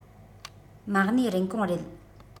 མ གནས རིན གོང རེད